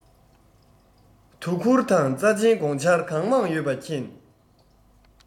དོ ཁུར དང རྩ ཆེན དགོངས ཆར གང མང ཡོད པ མཁྱེན